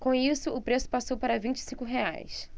com isso o preço passou para vinte e cinco reais